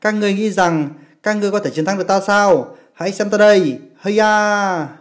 các ngươi nghĩ có thể thắng đc ta sao hãy xem ta đây